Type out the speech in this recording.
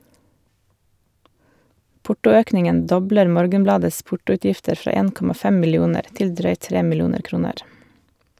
Portoøkningen dobler Morgenbladets portoutgifter fra 1,5 millioner til drøyt tre millioner kroner.